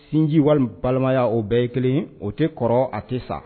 Sinji wali balimaya o bɛɛ ye kelen o tɛ kɔrɔ a tɛ sa